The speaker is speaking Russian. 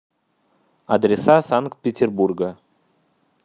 адреса санкт петербурга